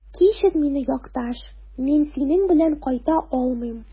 Кичер мине, якташ, мин синең белән кайта алмыйм.